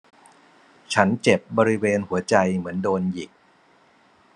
ฉันเจ็บบริเวณหัวใจเหมือนโดนหยิก